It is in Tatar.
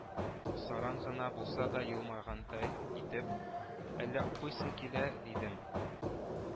Саран гына булса да елмайгандай итеп: — әллә укыйсың килә? — дидем